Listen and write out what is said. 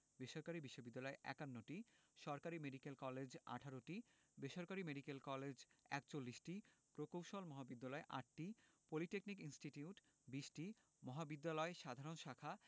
বেসরকারি বিশ্ববিদ্যালয় ৫১টি সরকারি মেডিকেল কলেজ ১৮টি বেসরকারি মেডিকেল কলেজ ৪১টি প্রকৌশল মহাবিদ্যালয় ৮টি পলিটেকনিক ইনস্টিটিউট ২০টি মহাবিদ্যালয় সাধারণ শিক্ষা